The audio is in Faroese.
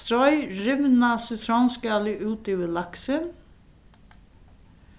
stroy rivna sitrónskalið út yvir laksin